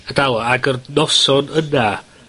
...a dal o, ag yr noson yna...